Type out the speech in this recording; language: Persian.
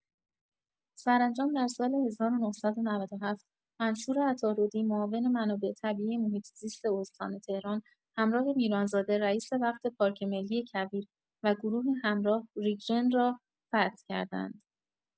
سرانجام در سال ۱۹۹۷ منصور عطاردی، معاون منابع طبیعی محیط‌زیست استان تهران همراه میران‌زاده، رئیس وقت پارک ملی کویر و گروه همراه ریگ جن را فتح کردند.